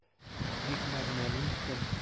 Бик мәгънәле исем.